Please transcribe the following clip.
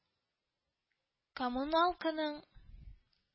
Коммуналканың